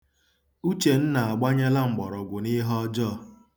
Uchenna agbanyela mgbọrọgwụ n'ihe ọjọọ.